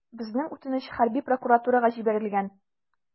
Безнең үтенеч хәрби прокуратурага җибәрелгән.